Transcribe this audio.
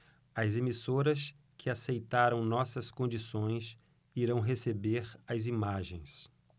as emissoras que aceitaram nossas condições irão receber as imagens